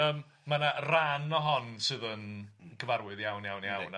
Yym ma' 'na ran o hon sydd yn gyfarwydd iawn iawn iawn... Yndi...